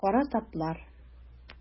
Кара таплар.